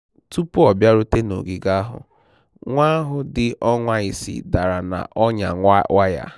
Tụpụ ọ bịarute n'ogige ahụ, nwa ahụ dị ọnwa isii dara n'ọnyà waya.